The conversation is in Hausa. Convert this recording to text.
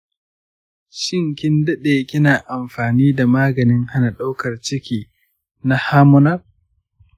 shin kin dade kina amfani da maganin hana daukar ciki na hormonal?